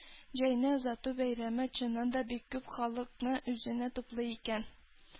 Җәйне озату бәйрәме, чыннан да, бик күп халыкны үзенә туплый икән.